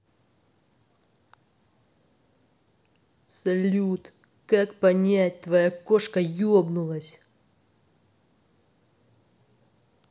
салют как понять твоя кошка ебнулась